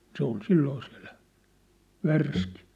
se oli silloin siellä värski